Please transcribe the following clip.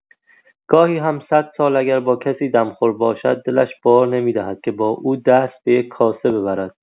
گاهی هم صد سال اگر با کسی دمخور باشد دلش بار نمی‌دهد که با او دست به یک‌کاسه ببرد.